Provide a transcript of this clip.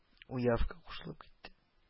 Уявка кушылып китте